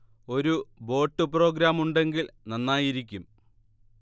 ഒരു bot program ഉണ്ടെങ്കിൽ നന്നായിരിക്കും